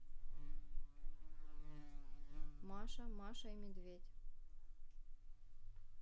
маша маша и медведь